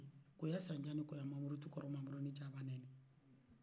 kɔya san ta ni kɔyɔ manmuru tu kɔnɔ mamuru ni jabanani